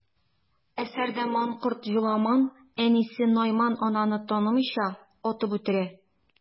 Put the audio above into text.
Әсәрдә манкорт Җоламан әнисе Найман ананы танымыйча, атып үтерә.